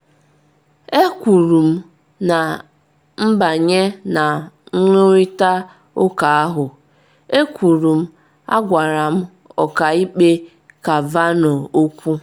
“E kwuru m na nbanye na nnụrịta ụka ahụ, E kwuru m, A gwara m Ọka Ikpe Kavanaugh okwu.